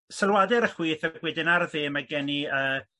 sylwade ar y chwith a wedyn ar y dde mae gen i yy